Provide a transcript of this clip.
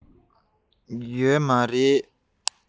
ཡོད མ རེད